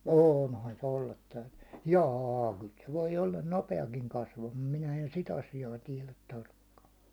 onhan se olla täytynyt ja kyllä se voi olla nopeakin kasvamaan minä en sitä asiaa tiedä tarkkaan